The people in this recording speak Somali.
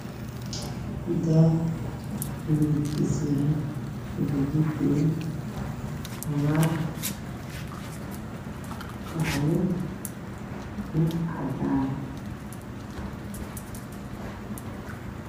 Ma daah midabkiisu yahay gedood iyo caddaan